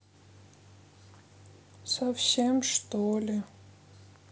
совсем что ли